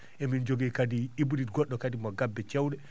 emin jogii kadi hybride goɗɗo kadi mo gabbe cewɗe